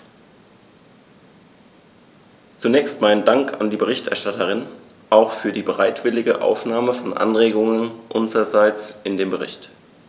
Zunächst meinen Dank an die Berichterstatterin, auch für die bereitwillige Aufnahme von Anregungen unsererseits in den Bericht.